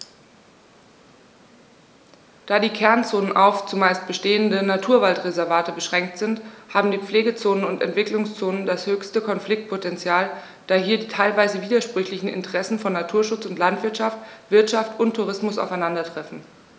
Da die Kernzonen auf – zumeist bestehende – Naturwaldreservate beschränkt sind, haben die Pflegezonen und Entwicklungszonen das höchste Konfliktpotential, da hier die teilweise widersprüchlichen Interessen von Naturschutz und Landwirtschaft, Wirtschaft und Tourismus aufeinandertreffen.